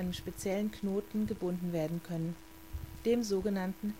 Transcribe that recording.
speziellen Knoten gebunden werden können, dem so genannten